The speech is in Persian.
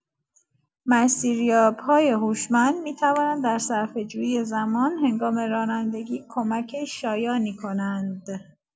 مسیریاب‌های هوشمند می‌توانند در صرفه‌جویی زمان هنگام رانندگی کمک شایانی کنند.